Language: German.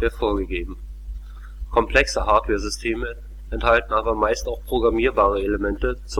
vom Der Inhalt